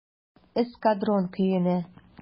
"эскадрон" көенә.